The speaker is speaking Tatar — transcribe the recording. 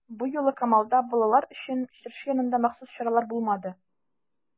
Бу юлы Камалда балалар өчен чыршы янында махсус чаралар булмады.